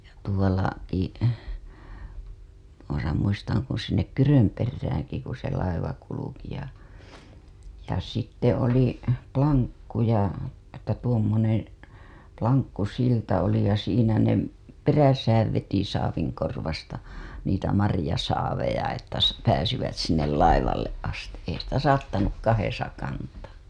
ja - tuollakin tuossa muistan kun sinne Kyrönperäänkin kun se laiva kulki ja ja sitten oli ponkku ja että tuommoinen lankkusilta oli ja siinä ne perässä veti saavinkorvasta niitä marjasaaveja että - pääsivät sinne laivalle asti ei sitä saattanut kahdessa kantaa